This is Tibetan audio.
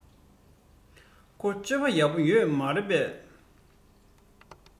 ཁོ སྤྱོད པ ཡག པོ ཡོད མ རེད པས